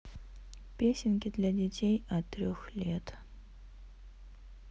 песенки для детей от трех лет